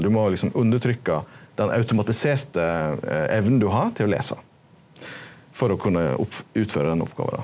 du må liksom undertrykka den automatiserte evna du har til å lesa for å kunne utføre den oppgåva.